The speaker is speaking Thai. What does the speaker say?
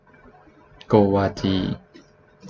โกวาจี